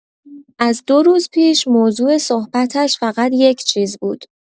از دو روز پیش موضوع صحبتش فقط یک چیز بود.